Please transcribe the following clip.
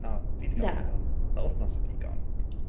Na fi 'di cael digon... na ...ma' wythnos yn digon.